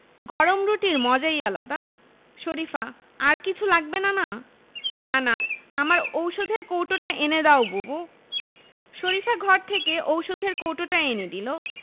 গরম রুটির মজাই আলাদা শরিফা আর কিছু লাগবে নানা নানা আমার ঔষধের কৌটোটা এনে দাও বুবু শরিফা ঘর থেকে ঔষধের কৌটোটা এনে দিল